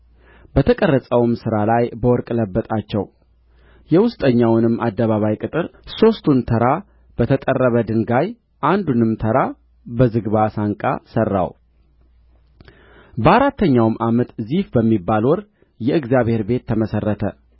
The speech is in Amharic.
በተቀረጸውም ሥራ ላይ በወርቅ ለበጣቸው የውስጠኛውንም አደባባይ ቅጥር ሦስቱን ተራ በተጠረበ ድንጋይ አንዱንም ተራ በዝግባ ሳንቃ ሠራው በአራተኛው ዓመት ዚፍ በሚባል ወር የእግዚአብሔር ቤት ተመሠረተ